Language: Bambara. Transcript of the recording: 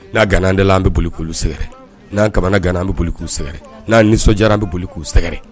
N'a ganaantɛ an bɛ boli k'u sɛgɛrɛ n'an kamana gananaan bɛ boli k'u sɛgɛrɛ n'an nisɔndiyara bɛ boli k'u sɛgɛrɛ